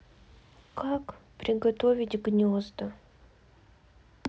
как приготовить гнезда